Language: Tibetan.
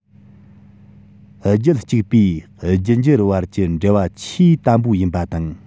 རྒྱུད གཅིག པའི རྒྱུད འགྱུར བར གྱི འབྲེལ བ ཆེས དམ པོ ཡིན པ དང